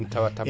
taw tampata